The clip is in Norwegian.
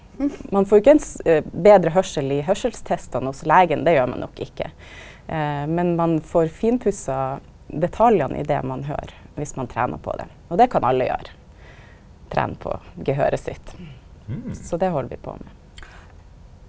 ein får jo ikkje ein betre høyrsel i høyrselstestane hos legen, det gjer ein nok ikkje, men ein får finpussa detaljane i det ein høyrer, viss ein trenar på det og det kan alle gjera trena på gehøret sitt, så det held vi på med.